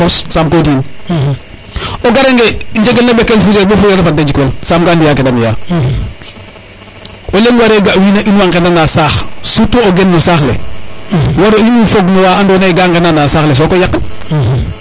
par force sam ko di in saam ko di in o gara nge njegel ne ɓekel fourière bo fourière fad de njik wel saam ka mbiya au lieu o ga a wiin we ngena na saax surtout o gen no saax le waro inu fog nowa ando naye ga ndena na saax le sokoy yaqan